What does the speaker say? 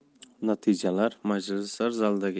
natijalar majlislar zalidagi